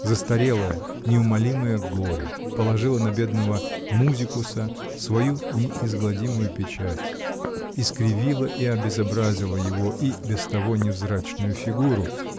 Застарелое, неумолимое горе положило на бедного музикуса свою неизгладимую печать, искривило и обезобразило его и без того невзрачную фигуру